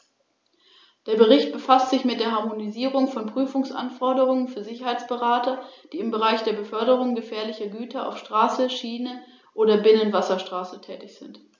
Ich danke Frau Schroedter für den fundierten Bericht.